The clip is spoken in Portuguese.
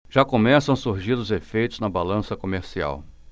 já começam a surgir os efeitos na balança comercial